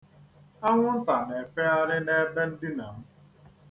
Anwụnta na-efegharị n'ebe ndina m.